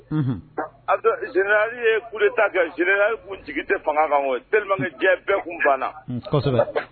A zeina ye k de' kan zeina' sigi tɛ fanga kan terikɛjɛ bɛɛ kun banna